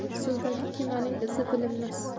suvdagi kemaning izi bilinmas